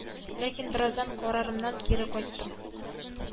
Аннан ниндидер кызыклы нәрсәләр очрадылар.